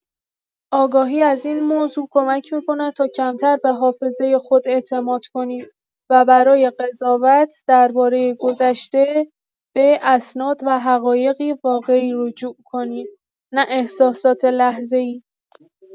آگاهی از این موضوع کمک می‌کند تا کمتر به حافظۀ خود اعتماد کنیم و برای قضاوت دربارۀ گذشته، به اسناد و حقایق واقعی رجوع کنیم، نه احساسات لحظه‌ای.